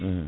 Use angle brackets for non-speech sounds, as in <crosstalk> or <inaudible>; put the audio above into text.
<hesitation> <hesitation>